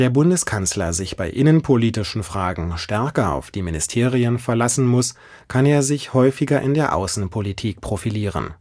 Bundeskanzler sich bei innenpolitischen Fragen stärker auf die Ministerien verlassen muss, kann er sich häufig in der Außenpolitik profilieren